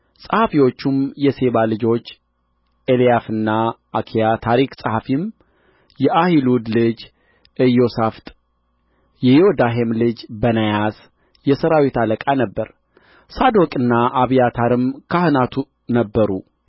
ጸሐፊዎቹም የሴባ ልጆች ኤልያፍና አኪያ ታሪክ ጸሐፊም የአሒሉድ ልጅ ኢዮሣፍጥ የዮዳሄም ልጅ በናያስ የሠራዊት አለቃ ነበረ ሳዶቅና አብያታርም ካህናት ነበሩ